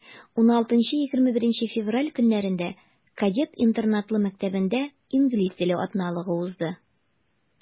16-21 февраль көннәрендә кадет интернатлы мәктәбендә инглиз теле атналыгы узды.